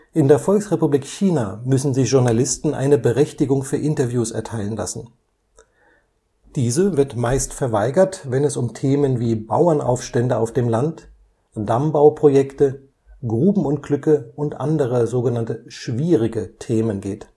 In der Volksrepublik China müssen sich Journalisten eine Berechtigung für Interviews erteilen lassen. Diese wird meist verweigert, wenn es um Themen wie Bauernaufstände auf dem Land, Dammbauprojekte, Grubenunglücke und andere „ schwierige “Themen geht